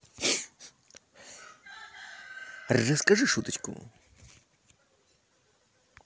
расскажи шуточку